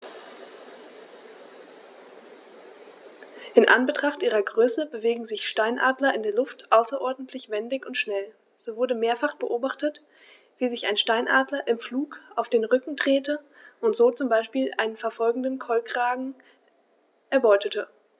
In Anbetracht ihrer Größe bewegen sich Steinadler in der Luft außerordentlich wendig und schnell, so wurde mehrfach beobachtet, wie sich ein Steinadler im Flug auf den Rücken drehte und so zum Beispiel einen verfolgenden Kolkraben erbeutete.